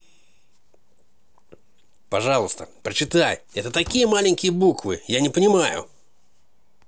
пожалуйста прочитай это такие маленькие буквы я не понимаю